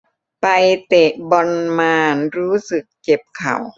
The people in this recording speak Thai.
ไปเตะบอลมารู้สึกเจ็บเข่า